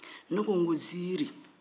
ne ko ko ziiri